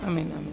amiin amiin